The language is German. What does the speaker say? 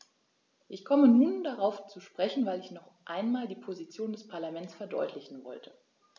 Ich komme nur darauf zu sprechen, weil ich noch einmal die Position des Parlaments verdeutlichen wollte.